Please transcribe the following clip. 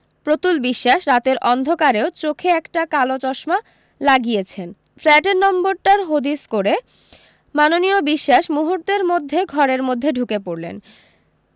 প্রতুল বিশ্বাস রাতের অন্ধকারেও চোখে একটা কালো চশমা লাগিয়েছেন ফ্ল্যাটের নম্বরটার হদিশ করে মাননীয় বিশ্বাস মুহূর্তের মধ্যে ঘরের মধ্যে ঢুকে পড়লেন